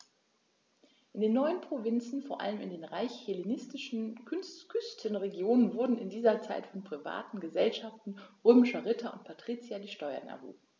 In den neuen Provinzen, vor allem in den reichen hellenistischen Küstenregionen, wurden in dieser Zeit von privaten „Gesellschaften“ römischer Ritter und Patrizier die Steuern erhoben.